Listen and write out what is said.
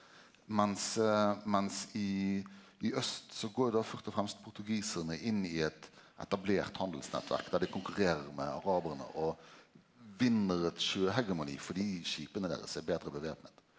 mens mens i i aust så går då først og fremst portugisarane inn i eit etablert handelsnettverk der dei konkurrerer med arabarane og vinn eit sjøhegemoni fordi skipa deira er betre væpna.